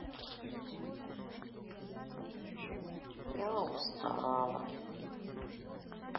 я устала